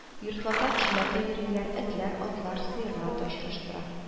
Йортларда кешеләр дә йөриләр, этләр, атлар, сыерлар да очраштыра